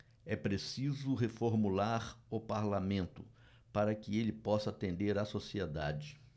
é preciso reformular o parlamento para que ele possa atender a sociedade